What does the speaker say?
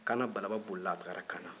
kaana balaba bolila a taara kaana